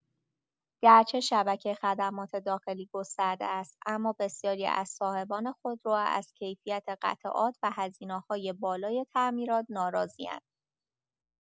گرچه شبکه خدمات داخلی گسترده است، اما بسیاری از صاحبان خودرو از کیفیت قطعات و هزینه‌های بالای تعمیرات ناراضی‌اند.